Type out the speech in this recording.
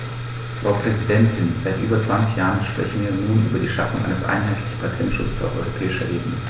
Frau Präsidentin, seit über 20 Jahren sprechen wir nun über die Schaffung eines einheitlichen Patentschutzes auf europäischer Ebene.